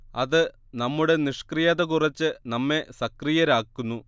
അത് നമ്മുടെ നിഷ്ക്രിയത കുറച്ച് നമ്മെ സക്രിയരാക്കുന്നു